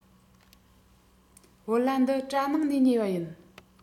བོད ལྭ འདི གྲ ནང ནས ཉོས པ ཡིན